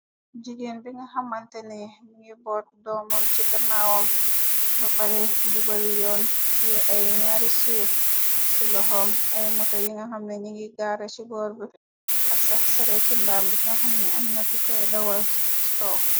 Jigéen bi nga hamantene mungi boot doomam chi ganaawam barè jubalè yoon tè ay naari sow ci lohom. Ay moto yi nga hamnè nungi garè ci borr bi ak sarètt mbam bi nga hamnè Amna ki koy dawal chi kawam.